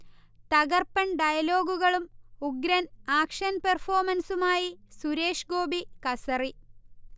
തകർപ്പൻ ഡയലോഗുകളും ഉഗ്രൻ ആക്ഷൻ പെർഫോമൻസുമായി സുരേഷ്ഗോപി കസറി